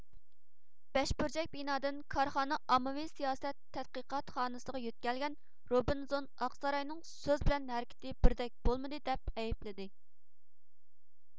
بەشبۇرجەك بىنادىن كارخانا ئاممىۋى سىياسەت تەتقىقاتخانىسىغا يۆتكەلگەن روبنزون ئاقساراينىڭ سۆز بىلەن ھەرىكىتى بىردەك بولمىدى دەپ ئەيىبلىدى